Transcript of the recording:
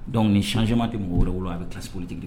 Dɔnku ni sjima tɛ mɔgɔ wɛrɛ wolo a bɛ taaolitigi